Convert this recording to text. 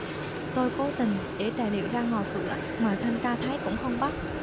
tôi cố tình để tài liệu ra ngoài cửa mà thanh tra thấy cũng không bắt